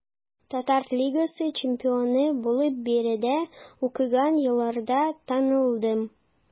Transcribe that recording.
Татар лигасы чемпионы булып биредә укыган елларда танылдым.